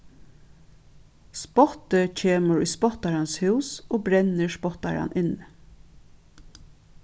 spottið kemur í spottarans hús og brennir spottaran inni